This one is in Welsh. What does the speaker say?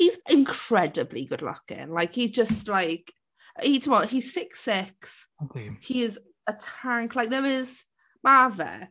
He's incredibly good-looking like he's just like he timod he's six six... ydy ...he is a tank like there is ma' fe.